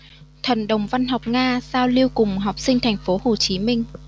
thần đồng văn học nga giao lưu cùng học sinh thành phố hồ chí minh